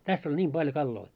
tässä oli niin paljon kaloja